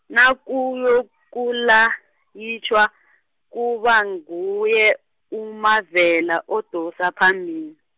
nakuyokulayitjhwa, kuba nguye, uMavela odosa phambi.